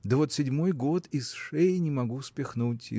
да вот седьмой год и с шеи не могу спихнуть